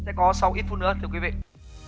sẽ có sau ít phút nữa thưa quý vị